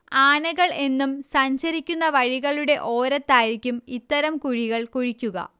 ആനകൾ എന്നും സഞ്ചരിക്കുന്ന വഴികളുടെ ഓരത്തായിരിക്കും ഇത്തരം കുഴികൾ കുഴിക്കുക